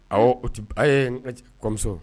Ɔ o a ye kɔmi